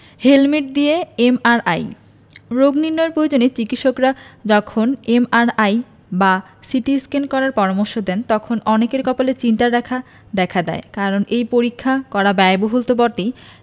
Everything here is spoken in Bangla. হেলমেট দিয়ে এমআরআই রোগ নির্নয়ের প্রয়োজনে চিকিত্সকরা যখন এমআরআই বা সিটিস্ক্যান করার পরামর্শ দেন তখন অনেকের কপালে চিন্তার রেখা দেখা দেয় কারণ এই পরীক্ষা করা ব্যয়বহুল তো বটেই